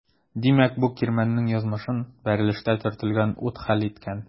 Димәк бу кирмәннең язмышын бәрелештә төртелгән ут хәл иткән.